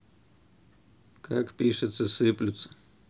как пишется сыплются